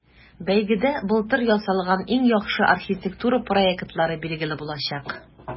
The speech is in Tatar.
Бәйгедә былтыр ясалган иң яхшы архитектура проектлары билгеле булачак.